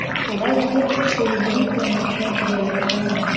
Шулай итеп, Ширинның тормышы җайга салына.